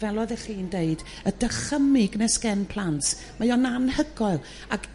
fel oeddech chi'n d'eud y dychymyg 'ne s'gen plant mae o'n anhygoel ac